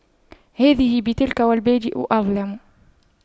هذه بتلك والبادئ أظلم